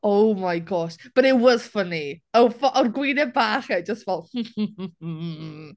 Oh my gosh, but it was funny. Oh! Oedd gwyneb bach e jyst fel .